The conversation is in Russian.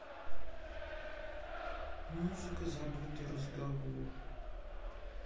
музыка забытый разговор